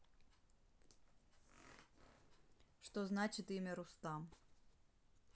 что значит имя рустам